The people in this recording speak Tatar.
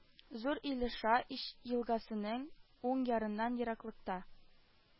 Зур Илеша ич елгасының уң ярыннан ераклыкта